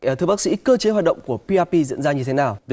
dạ thưa bác sĩ cơ chế hoạt động của pi a pi diễn ra như thế nào